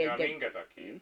jaa minkä takia